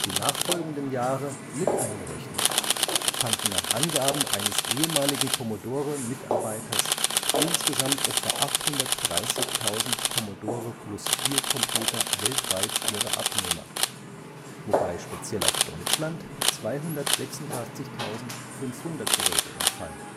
nachfolgenden Jahre mit eingerechnet fanden nach Angaben eines ehemaligen Commodore-Mitarbeiters insgesamt etwa 830.000 Commodore-Plus/4-Computer weltweit ihre Abnehmer, wobei speziell auf Deutschland 286.500 Geräte entfallen